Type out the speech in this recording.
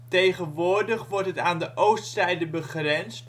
Tegenwoordig wordt het aan de oostzijde begrensd